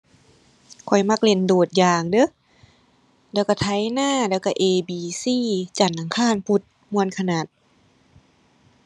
ข้อยมักเล่นโดดยางเด้อ แล้วก็ไถนา แล้วก็เอบีซี จันทร์อังคารพุธ ม่วนขนาด